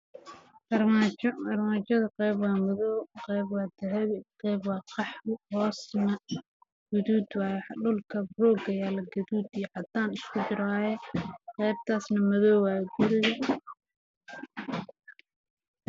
Waa armaajo midabkeedu yahay madow iyo qalin